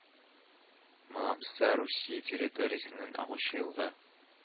Маломса Русия территориясеннән агучы елга